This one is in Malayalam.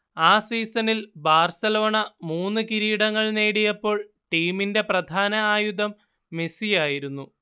ആ സീസണിൽ ബാർസലോണ മൂന്ന് കിരീടങ്ങൾ നേടിയപ്പോൾ ടീമിന്റെ പ്രധാന ആയുധം മെസ്സി ആയിരുന്നു